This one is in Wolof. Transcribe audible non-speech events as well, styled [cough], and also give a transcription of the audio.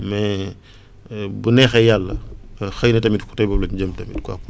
mais [breath] bu neexee yàlla xëy na tamit côté boobu la ñu jëm tamit quoi